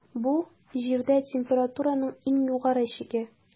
Бу - Җирдә температураның иң югары чиге.